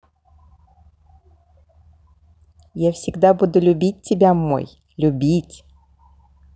я всегда буду тебя любить мой любить